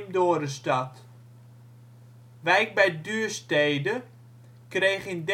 Dorestad. Wijk bij Duurstede kreeg in